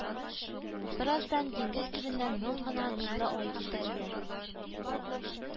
Бераздан диңгез төбеннән моң гына нурлы ай күтәрелә